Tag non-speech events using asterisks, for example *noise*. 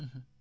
*hesitation* *hesitation*